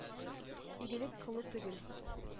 Игелек кылу түгел,